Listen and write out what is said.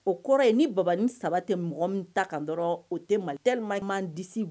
O kɔrɔ ye ni banbani 3 tɛ mɔgɔ min ta ka dɔrɔn o tɛ Mali tellement